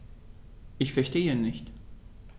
Ich verstehe nicht.